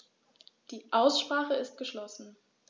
Die Aussprache ist geschlossen.